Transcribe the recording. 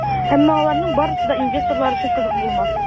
Әмма аларның барысы да инвесторлар өчен кызык булмас.